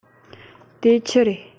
དེ ཆི རེད